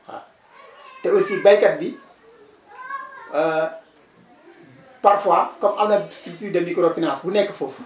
waaw te aussi béykat bi parfois comme am na structure de microfinance bu nekk foofu